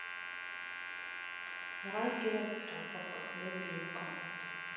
радио тапок любимка